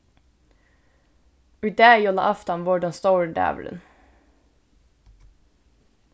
í dag er jólaaftan vorðin tann stóri dagurin